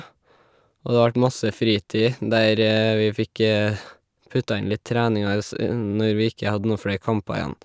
Og det vart masse fritid der vi fikk putta inn litt trening aes når vi ikke hadde noen flere kamper igjen.